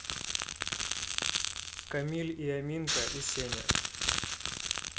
камиль и аминка и сеня